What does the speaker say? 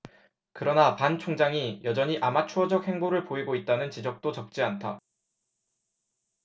그러나 반 총장이 여전히 아마추어적 행보를 보이고 있다는 지적도 적지 않다